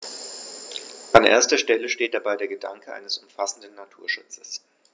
An erster Stelle steht dabei der Gedanke eines umfassenden Naturschutzes.